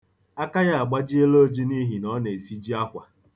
Aka ya agbajiela oji n'ihi na ọ na-esiji akwa.